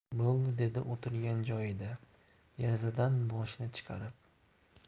bo'ldi dedi o'tirgan joyida derazadan boshini chiqarib